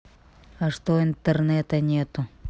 а что интернета нету